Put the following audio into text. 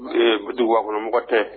Ee bitɔn gakɔnɔmɔgɔ tɛ